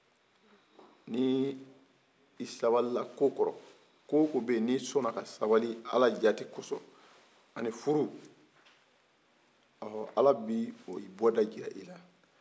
ni i sabalila ko kɔrɔ ko o ko bɛ yen ni sɔna ka sabali ala jati ko sɔn ani furu ala bi bɔda jira i la